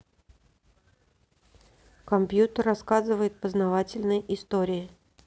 компьютер рассказывает познавательные истории